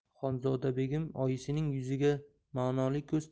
xonzoda begim oyisining yuziga manoli ko'z